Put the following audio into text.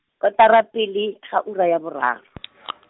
kotara pele, ga ura ya boraro .